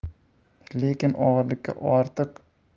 lekin og'irlikka ortiq